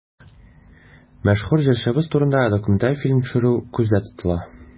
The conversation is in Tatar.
Мәшһүр җырчыбыз турында документаль фильм төшерү күздә тотыла.